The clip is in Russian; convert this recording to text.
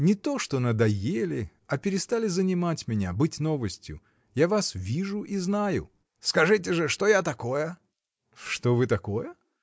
— Не то что надоели, а перестали занимать меня, быть новостью. Я вас вижу и знаю. — Скажите же, что я такое? — Что вы такое?